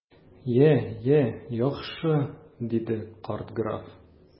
Я, я, яхшы! - диде карт граф.